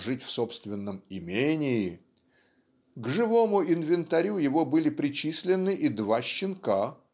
а жить в собственном "имении" (к живому инвентарю его были причислены и два щенка